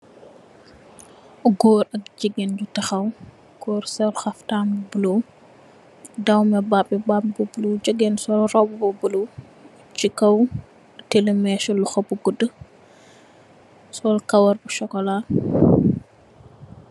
Gorr ak gegen yu tahaw. Gorr sol haftan bu bolo dawmeh batbi won bu bolo. gigen sol roba bu bolo tailey wesuhupu godu sol kawarl bu sokola.